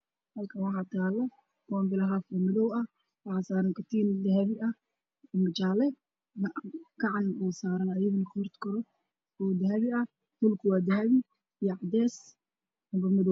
Halkaan waxaa taalo boombalo haaf madow ah waxaa saaran katiin dahabi ah iyo jaalle gacan oo saaran ayadane qoorta kore oo dahabi ah dhulka waa dahabi iyo cadays ama madow.